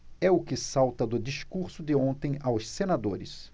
é o que salta do discurso de ontem aos senadores